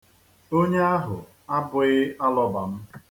Onye ahụ abụghị alọba m.